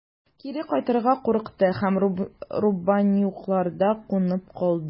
Кире кайтырга курыкты һәм Рубанюкларда кунып калды.